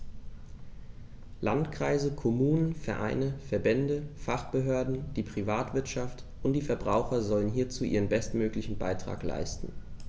Landkreise, Kommunen, Vereine, Verbände, Fachbehörden, die Privatwirtschaft und die Verbraucher sollen hierzu ihren bestmöglichen Beitrag leisten.